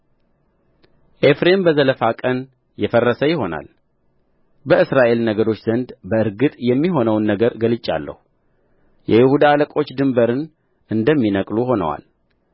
ኤፍሬም በዘለፋ ቀን የፈረሰ ይሆናል በእስራኤል ነገዶች ዘንድ በእርግጥ የሚሆነውን ነገር ገልጫለሁ የይሁዳ አለቆች ድምበርን እንደሚነቅሉ ሆነዋል